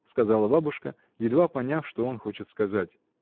— сказала бабушка, едва поняв, что он хочет сказать.